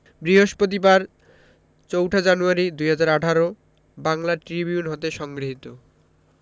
বৃহস্পতিবার ৪টা জানুয়ারি ২০১৮ বাংলা ট্রিবিউন হতে সংগৃহীত